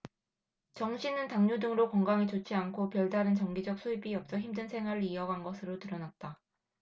정씨는 당뇨 등으로 건강이 좋지 않고 별다른 정기적 수입이 없어 힘든 생활을 이어간 것으로 드러났다